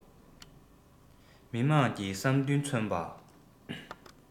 མི དམངས ཀྱི བསམ འདུན མཚོན པ